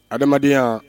Adamadenya